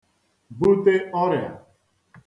bute ọrịa